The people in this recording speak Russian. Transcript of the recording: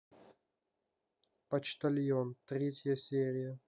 почтальон третья серия